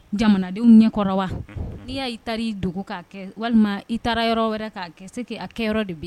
Jamanadenw ɲɛkɔrɔ wa, n'i y'a i taara i dogo k'a kɛ walima i taara yɔrɔ wɛrɛ k'a kɛ c'est que a kɛyɔrɔ de bɛ yen